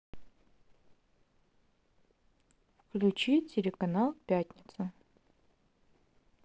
включи телеканал пятница